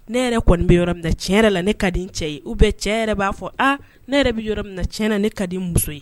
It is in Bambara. Ne yɛrɛ kɔni bɛ yɔrɔ min na, tiɲɛ yɛrɛ la, ne ka di n cɛ ye , ou bien cɛ yɛrɛ b'a fɔ aa, ne yɛrɛ bɛ yɔrɔ min na, tiɲɛn yɛrɛ la ne ka di n. muso ye